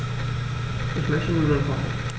Ich möchte Nudeln kochen.